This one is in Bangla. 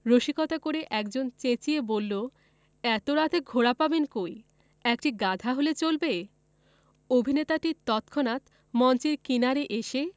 রসিকতা করে একজন চেঁচিয়ে বললো এত রাতে ঘোড়া পাবেন কই একটি গাধা হলে চলবে অভিনেতাটি তৎক্ষনাত মঞ্চের কিনারে এসে